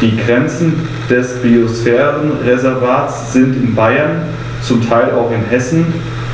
Die Grenzen des Biosphärenreservates sind in Bayern, zum Teil auch in Hessen,